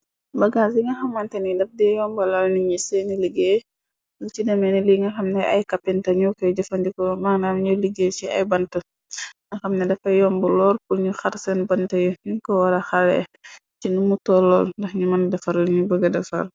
Bagaas yi nga xamante ni dafde yombo lal ni ñi seeni liggéey lu ci demeeni li nga xamne ay kapinta ñu koy jëfandiko magnaw ñuy liggéey ci ay bant nga xamne dafay yomb loor pu ñu xar seen bënte yu ñu ko wara xale ci nu mu tollool ndax ñu mën defar luñu bëg defar.